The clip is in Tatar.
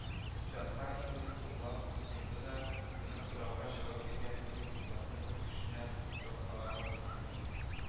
— китапка ике куллап тотынды да, минем сорауга җавап биргән кебек, китапны бар көченә тарткаларга тотынды